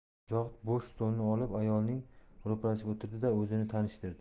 zohid bo'sh stulni olib ayolning ro'parasiga o'tirdi da o'zini tanishtirdi